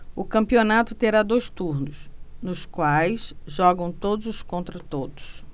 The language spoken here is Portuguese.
o campeonato terá dois turnos nos quais jogam todos contra todos